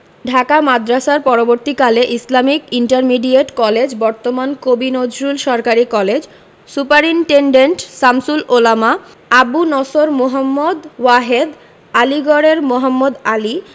ঢাকা মাদ্রাসার পরবর্তীকালে Islamic intermediate college বর্তমান কবি নজরুল সরকারি কলেজ সুপারিন্টেন্ডেন্ট শামসুল উলামা আবু নসর মুহম্মদ ওয়াহেদ আলীগড়ের মোহাম্মদ আলী